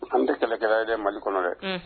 An tɛ kɛlɛkɛla ye mali kɔnɔ dɛ